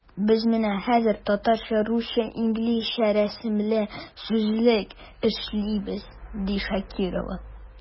Без менә хәзер “Татарча-русча-инглизчә рәсемле сүзлек” эшлибез, ди Шакирова.